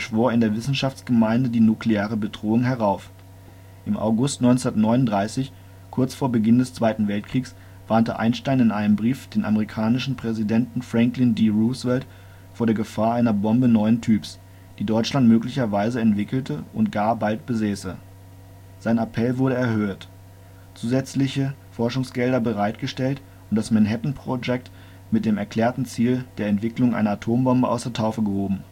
in der Wissenschaftsgemeinde die nukleare Bedrohung herauf. Im August 1939, kurz vor Beginn des zweiten Weltkriegs, warnte Einstein in einem Brief den amerikanischen Präsidenten Franklin D. Roosevelt vor der Gefahr einer Bombe neuen Typs, die Deutschland möglicherweise entwickle und gar bald besäße. Sein Appell wurde erhört, zusätzliche Forschungsgelder bereitgestellt und das Manhattan-Projekt mit dem erklärten Ziel der Entwicklung einer Atombombe aus der Taufe gehoben